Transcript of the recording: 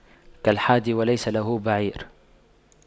كالحادي وليس له بعير